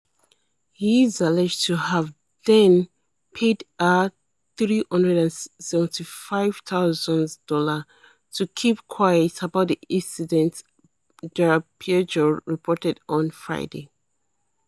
He is alleged to have then paid her $375,000 to keep quiet about the incident, Der Spiegel reported on Friday.